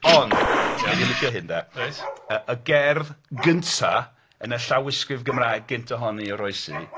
Ond wnei 'di licio hyn 'de... Reit... Y gerdd gyntaf yn y llawysgrif Gymraeg gyntaf hon i oroesi